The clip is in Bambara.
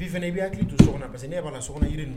I fana i b' hakili to so kɔnɔ parceseke ne b'a la so